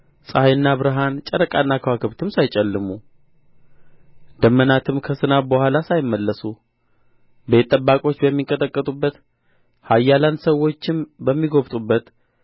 ፀሐይና ብርሃን ጨረቃና ከዋክብትም ሳይጨልሙ ደመናትም ከዝናብ በኋላ ሳይመለሱ ቤት ጠባቆች በሚንቀጠቀጡበት ኃያላን ሰዎችም በሚጎብጡበት